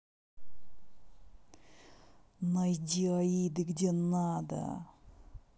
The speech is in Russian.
найди аиды где надо